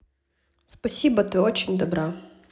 спасибо ты очень добра